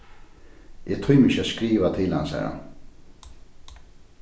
eg tími ikki at skriva til hansara